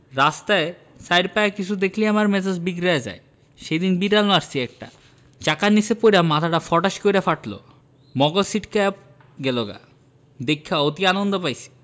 রাস্তায় চাইর পায়া কিছু দেখলেই আমার মেজাজ বিগড়ায়া যায় সেইদিন বিড়াল মারছি একটা চাকার নিচে পইড়া মাথাডা ফটাস কইরা ফাটলো মগজ ছিটকায়া গেলোগা দেইখা অতি আনন্দ পাইছি